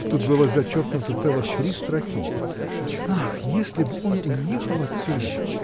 (тут было зачеркнуто целых три строки). Ах, если б он уехал отсюда!